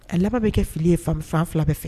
A laban bɛ kɛ fili ye fan fan fila bɛɛ fɛ